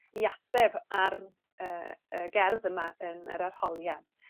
i ateb ar yy y gerdd yma yn yr arholiad.